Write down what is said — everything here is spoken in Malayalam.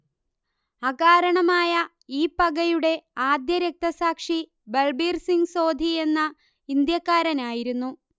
അകാരണമായ ഈ പകയുടെ ആദ്യ രക്തസാക്ഷി ബൽബീർ സിംഗ് സോധി എന്ന ഇന്ത്യക്കാരനായിരുന്നു